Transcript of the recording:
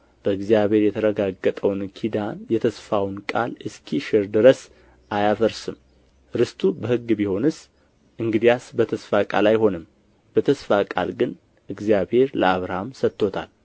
በእግዚአብሔር የተረጋገጠውን ኪዳን የተስፋውን ቃል እስኪሽር ድረስ አያፈርስም ርስቱ በሕግ ቢሆንስ እንግዲያስ በተስፋ ቃል አይሆንም በተስፋ ቃል ግን እግዚአብሔር ለአብርሃም ሰጥቶአል